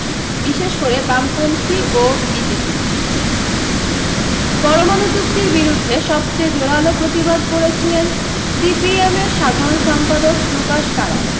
বিশেষ করে বামপন্থী ও বিজেপি পরমাণু চুক্তির বিরুদ্ধে সবচেয়ে জোরালো প্রতিবাদ করেছিলেন সিপিএমের সাধারণ সম্পাদক প্রকাশ কারাট